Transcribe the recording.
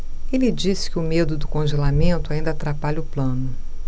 ele disse que o medo do congelamento ainda atrapalha o plano